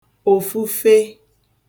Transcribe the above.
òfufe